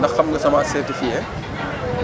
ndax xam nga semence certifiée